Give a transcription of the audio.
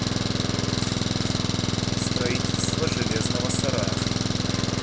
строительство железного сарая